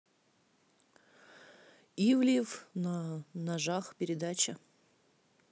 ивлеев на ножах передача